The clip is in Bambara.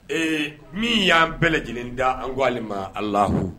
Ee min y'an bɛɛ lajɛlen da an koale ma ala lah